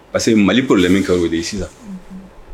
Parce que Mali problème cas ye o de ye sisan unhun